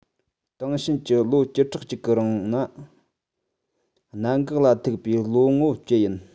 དེང ཕྱིན གྱི ལོ བཅུ ཕྲག གཅིག གི རིང ནི གནད འགག ལ ཐུག པའི ལོ ངོ བཅུ ཡིན